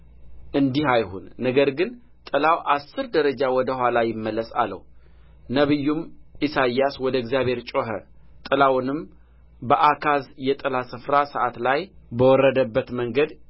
እንዲህ አይሁን ነገር ግን ጥላው አሥር ደረጃ ወደ ኋላ ይመለስ አለው ነቢዩም ኢሳይያስ ወደ እግዚአብሔር ጮኸ ጥላውንም በአካዝ የጥላ ስፍራ ሰዓት ላይ በወረደበት መንገድ